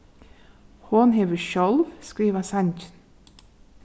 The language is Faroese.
hon hevur sjálv skrivað sangin